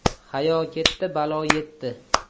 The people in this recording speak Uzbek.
hayo ketdi balo yetdi